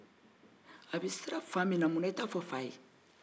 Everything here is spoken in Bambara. a bɛ siran fa min ɲɛ munna i t'a fɔ fa ye